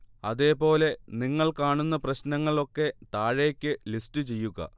അതേ പോലെ നിങ്ങൾ കാണുന്ന പ്രശ്നങ്ങൾ ഒക്കെ താഴേക്ക് ലിസ്റ്റ് ചെയ്യുക